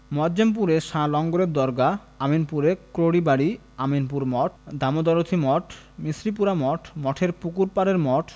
মুয়াজ্জমপুরে শাহ লঙ্গরের দরগাহ আমিনপুরে ক্রোড়িবাড়ি আমিনপুর মঠ দামোদরদি মঠ মিসরিপুরা মঠ মঠের পুকুর পাড়ের মঠ